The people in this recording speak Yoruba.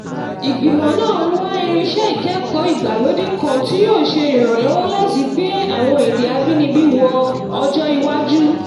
Ìgbìmọ̀ náà ń wá irinṣẹ́ ìkẹ́kọ̀ọ́ ìgbàlódé kan tí yóò ṣe ìrànlọ́wọ́ láti gbé àwọn èdè abínibí wọ ọjọ́ iwájú.